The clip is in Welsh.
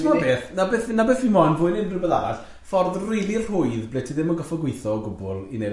T'mod beth, na beth fi na beth fi moyn, fwy'n neud rywbeth arall, ffordd rili rhwydd ble ti ddim yn gorffod gwitho o gwbl i neud arian,